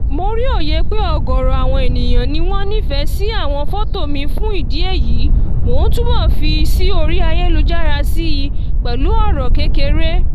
Mo rí òye pé ọ̀gọ̀ọ̀rọ̀ àwọn ènìyàn ni wọ́n ń nífẹ̀ẹ́ sí àwọn fọ́tọ̀ mi fún ìdí èyí mò ń túbọ̀ fi wọn sí orí ayélujára síi, pẹ̀lú ọ̀rọ̀ kékeré.